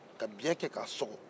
ka biyɛn kɛ k'a sɔgɔ